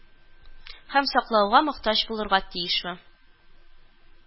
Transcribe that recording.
Һәм саклауга мохтаҗ булырга тиешме